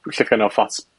pwy sy kind of ots